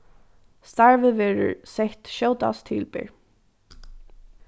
starvið verður sett skjótast til ber